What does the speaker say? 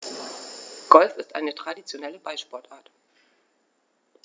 Golf ist eine traditionelle Ballsportart.